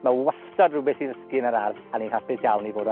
Ma' wastad rywbeth i ddysgu yn yr ardd, a ni'n hapus iawn i fod o